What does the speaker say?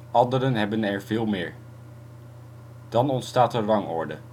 anderen hebben er (veel) meer. Dan ontstaat de volgende rangorde